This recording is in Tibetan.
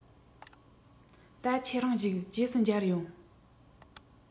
ད ཁྱེད རང བཞུགས རྗེས སུ མཇལ ཡོང